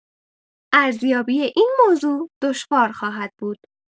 ارزیابی این موضوع دشوار خواهد بود.